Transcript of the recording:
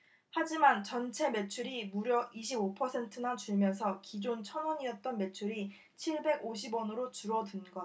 하지만 전체 매출이 무려 이십 오 퍼센트나 줄면서 기존 천 원이었던 매출이 칠백 오십 원으로 줄어든 것